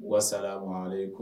Walasasa mare ko